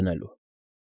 Դնելու։